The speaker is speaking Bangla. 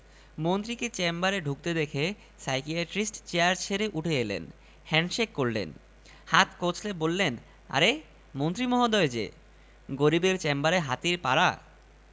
পুত্র কন্যার নাম ধরে ডাকলেন কেউ সাড়া দিল না কাজের মেয়েটা তাঁর সামনে দিয়ে চা নিয়ে গেল সে ও ফিরে তাকাল না তিনি কাজের মেয়েটাকে চা দিতে বললেন কিন্তু সে কোনো ভ্রুক্ষেপই করল না